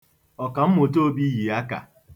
Ọkm. Obi yi akà.